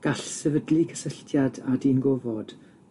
Gall sefydlu cysylltiad â dyn gofod